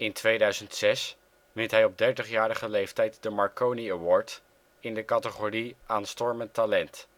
2006 wint hij op 30-jarige leeftijd de Marconi Award in de categorie ' Aanstormend Talent